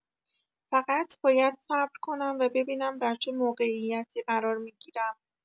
فقط باید صبر کنم و ببینم در چه موقعیتی قرار می‌گیرم.